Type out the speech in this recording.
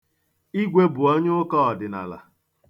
Igwe bụ onye Ụka Ọdịnala.